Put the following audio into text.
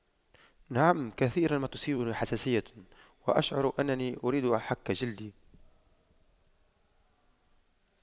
نعم كثيرا ما تصيبني الحساسية وأشعر أنني أريد حك جلدي